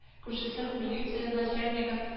Күршесен, милиция начальнигын